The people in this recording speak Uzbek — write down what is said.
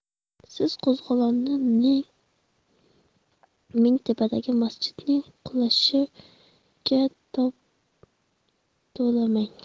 siz qo'zg'olonni mingtepadagi masjidning qulashiga bog'lamang